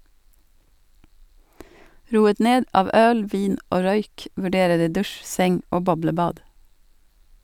Roet ned av øl, vin og røyk vurderer de dusj, seng og boblebad.